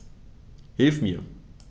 Hilf mir!